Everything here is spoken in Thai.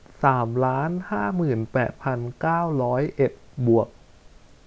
สามล้านห้าหมื่นแปดพันเก้าร้อยเอ็ดบวก